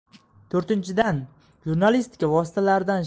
to'rtinchidan jurnalistika vositalaridan